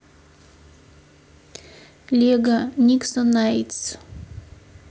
лего нексо найтс